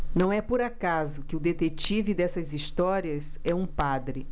não é por acaso que o detetive dessas histórias é um padre